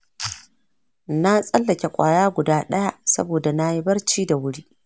na tsallake ƙwaya guda ɗaya saboda na yi barci da wuri.